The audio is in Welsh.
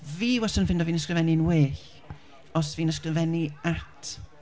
Fi wastad yn ffeindio fi'n ysgrifennu'n well os fi'n ysgrifennu at...